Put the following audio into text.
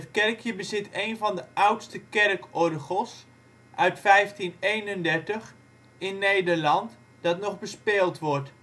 kerkje bezit één van de oudste kerkorgels (1531) in Nederland dat nog bespeeld wordt